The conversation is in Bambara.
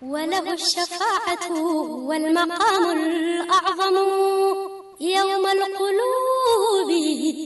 Walimaku walima ɲama